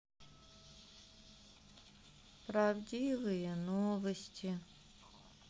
правдивые новости